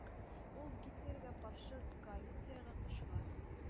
Ул гитлерга каршы коалициягә кушыла.